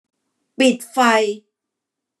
ปิดไฟ